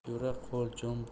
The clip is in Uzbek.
yura qol jon